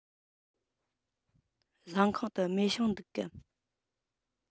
ཟ ཁང དུ མེ ཤིང འདུག གམ